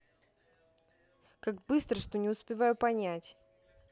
как быстро что не успеваю понять